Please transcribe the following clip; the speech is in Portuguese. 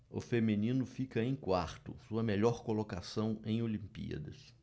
o feminino fica em quarto sua melhor colocação em olimpíadas